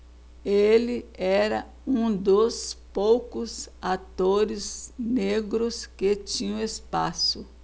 ele era um dos poucos atores negros que tinham espaço